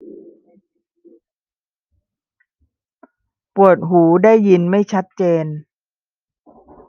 ปวดหูได้ยินไม่ชัดเจน